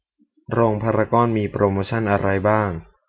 โรงพารากอนมีโปรโมชันอะไรบ้าง